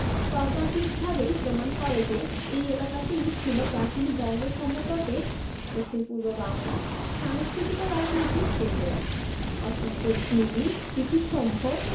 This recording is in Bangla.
তর্কাতীতভাবেই প্রমাণ করে যে এই এলাকাটিই ছিল প্রাচীন বঙ্গ সমতটের দক্ষিণপূর্ব বাংলা সাংস্কৃতিক ও রাজনৈতিক কেন্দ্র অসংখ্য ঢিবি স্মৃতিস্তম্ভ